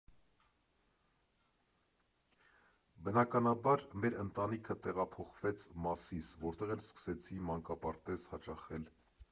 Բնականաբար մեր ընտանիքը տեղափոխվեց Մասիս, որտեղ էլ սկսեցի մանկապարտեզ հաճախել։